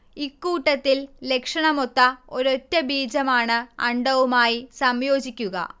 ഇക്കൂട്ടത്തിൽ ലക്ഷണമൊത്ത ഒരൊറ്റ ബീജമാണ് അണ്ഡവുമായി സംയോജിക്കുക